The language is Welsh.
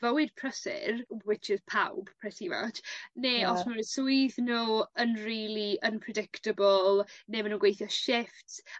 fywyd prysur which is pawb pretty much ne'... Ie. ...os ma' n'w 'u swydd n'w yn rili unpredictable ne' ma' nw'n gweithio shiffts